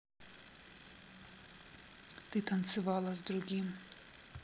ты танцевала с другим